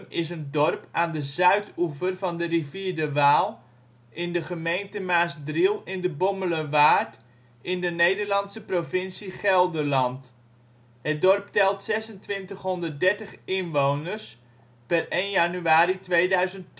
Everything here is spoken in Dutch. is een dorp aan de zuidoever van de rivier de Waal, in de gemeente Maasdriel in de Bommelerwaard in de Nederlandse provincie Gelderland. Het dorp telt 2630 inwoners (per 1 januari 2010). De